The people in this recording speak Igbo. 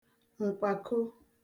ǹkwàko